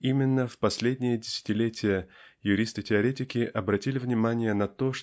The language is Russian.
Именно в последние десятилетия юристы теоретики обратили внимания на то